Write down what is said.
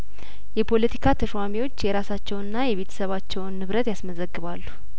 የፖለቲካ ተሿሚዎች የራሳቸውና የቤተሰባቸውን ንብረት ያስመዘግባሉ